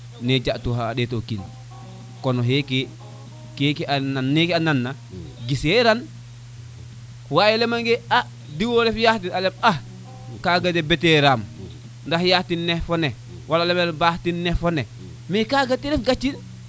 ne ja tuxa a ndeto kiin kon xeke keke a nan na neke a nan na giseran waye lama nge e a diw ref ya den a ley ax kaga de betiram ndax ya de ne fo ne wala ba de nen fo ne me kaga ten ref gaci